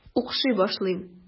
Укшый башлыйм.